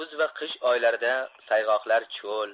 kuz va qish oylarida sayg'oqlar cho'l